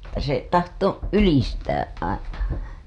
että se tahtoi ylistä aina